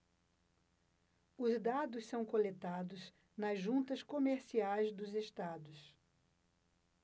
os dados são coletados nas juntas comerciais dos estados